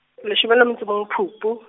leshome le motso o mong Phupu.